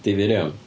Difyr iawn.